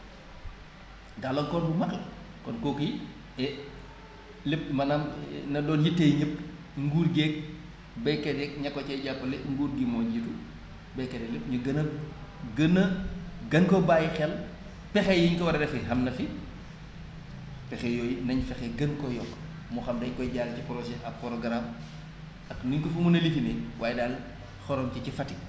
gàllankoor bu mag la kon kooku it et lépp maanaam na doon yitteey ñépp nguur geeg baykat yeeg ña ko cay jàppale nguur gi moo jiitu baykat yeeg lépp ñu gën a gën a gën koo bàyyi xel pexe yiñ ko war a defee am na fi pexe yooyu nañ fexe gën koo yokk mu xam dañ koy jaar ci projet ab programme ak nu ñu ko fa mën a lifinee waaye daal xorom ci ci Fatick